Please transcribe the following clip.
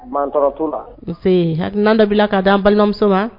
Tora t la ha'an dabila k'a di an balimamuso ma